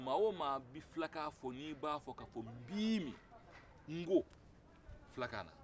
maa o maa bɛ filakan fɔ n'i b'a fɔ ka fɔ biimin n ko filakan na